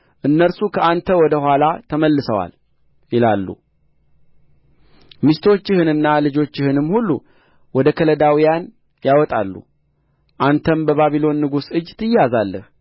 እነርሱ ከአንተ ወደ ኋላ ተመልሰዋል ይላሉ ሚስቶችህንና ልጆችህንም ሁሉ ወደ ከለዳውያን ያወጣሉ አንተም በባቢሎን ንጉሥ እጅ ትያዛለህ